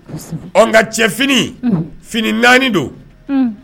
Nka cɛ fini fini naani don